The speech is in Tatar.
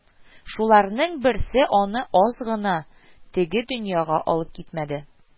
Шуларның берсе аны аз гына теге дөньяга алып китмәде